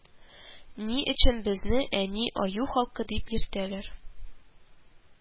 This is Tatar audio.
– ни өчен безне, әни, аю халкы дип йөртәләр